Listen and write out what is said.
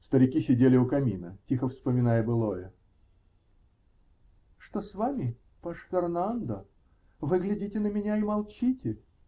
*** Старики сидели у камина, тихо вспоминая былое. -- Что с вами, паж Фернандо? Вы глядите на меня и молчите?